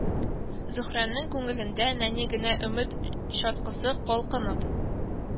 Зөһрәнең күңелендә нәни генә өмет чаткысы калкынып